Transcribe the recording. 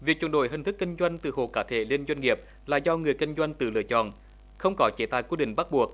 việc chuyển đổi hình thức kinh doanh từ hộ cá thể lên doanh nghiệp là do người kinh doanh tự lựa chọn không có chế tài quy định bắt buộc